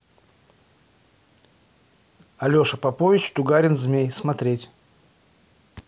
алеша попович тугарин змей смотреть